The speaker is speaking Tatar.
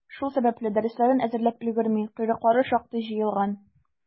Шул сәбәпле, дәресләрен әзерләп өлгерми, «койрыклары» шактый җыелган.